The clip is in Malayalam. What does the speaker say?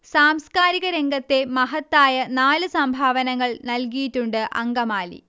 സാംസ്കാരിക രംഗത്തെ മഹത്തായ നാല് സംഭാവനകൾ നൽകിയിട്ടുണ്ട് അങ്കമാലി